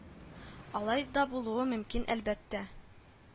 Алай да булуы мөмкин әлбәттә